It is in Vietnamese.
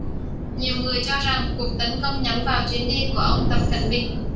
nhiều người cho rằng cuộc tấn công nhắm vào chuyến đi của ông tập cận bình